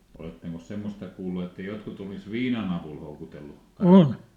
olettekos semmoista kuullut että jotkut olisi viinan avulla houkutellut karhua